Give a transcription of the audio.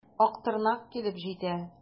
Актырнак килеп җитә.